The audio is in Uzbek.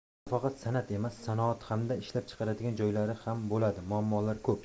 kino faqat san'at emas sanoat hamda ishlab chiqaradigan joylari ham bo'ladi muammolari ko'p